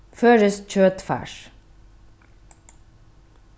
føroyskt kjøtfars